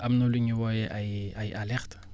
am na lu ñu wooyee ay ay alertes